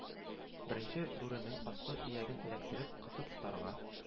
Беренче бүренең аскы ияген эләктереп, кысып тотарга